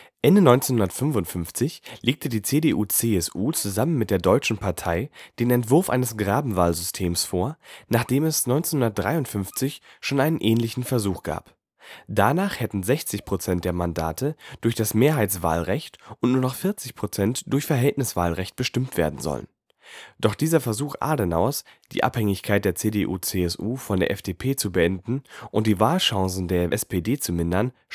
Ende 1955 legte die CDU/CSU zusammen mit der Deutschen Partei den Entwurf eines Grabenwahlsystems vor, nachdem es 1953 schon einen ähnlichen Versuch gab. Danach hätten 60 % der Mandate durch das Mehrheitswahlrecht und nur noch 40 % durch Verhältniswahlrecht bestimmt werden sollen. Doch dieser Versuch Adenauers, die Abhängigkeit der CDU/CSU von der FDP zu beenden und die Wahlchancen der SPD zu mindern, scheiterte